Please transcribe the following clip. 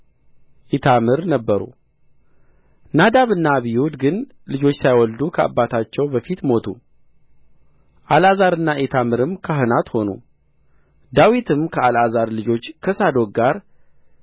ኢታምር ነበሩ ናዳብና አብዩድ ግን ልጆች ሳይወልዱ ከአባታቸው በፊት ሞቱ አልዓዛርና ኢታምርም ካህናት ሆኑ ዳዊትም ከአልዓዛር ልጆች ከሳዶቅ ጋር